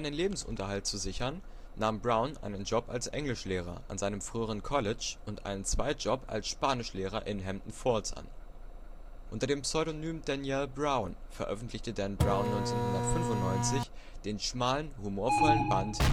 Lebensunterhalt zu sichern, nahm Brown einen Job als Englischlehrer an seinem früheren College und einen Zweitjob als Spanischlehrer in Hampton Falls an. Unter dem Pseudonym Danielle Brown veröffentlichte Dan Brown 1995 den schmalen, humorvollen Band